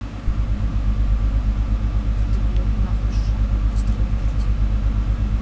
ах ты блядь нахуй шапку быстро напердели